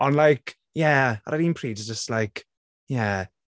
Ond like ie ar yr un pryd it's just like ie.